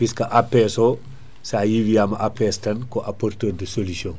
puisque APS o sa yi wiyama APS tan ko apporteur de solution : fra